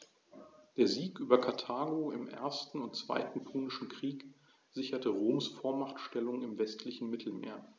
Der Sieg über Karthago im 1. und 2. Punischen Krieg sicherte Roms Vormachtstellung im westlichen Mittelmeer.